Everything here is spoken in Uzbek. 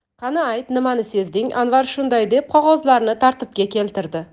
qani ayt nimani sezding anvar shunday deb qog'ozlarini tartibga keltirdi